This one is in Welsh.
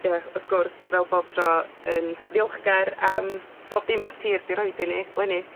ia wrth gwrs fel bob tro yn ddiolchgar am bob dim ma'r tir 'di roid i ni leni.